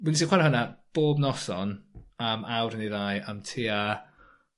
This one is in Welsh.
wel nes i chware hwnna bob noson am awr neu ddau am tua